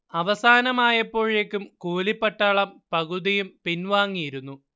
അവസാനമായപ്പോഴേക്കും കൂലിപ്പട്ടാളം പകുതിയും പിൻവാങ്ങിയിരുന്നു